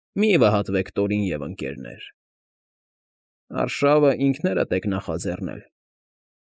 Մի՛ վհատվեք, Տորին և Ընկ… Արշավը ինքներդ եք նախաձեռնել։